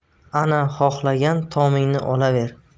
ana xohlagan tomingni olaver